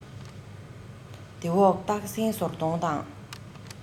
དེ འོག སྟག སྲིང ཟོར གདོང དང